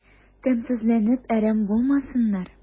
Тәмсезләнеп әрәм булмасыннар...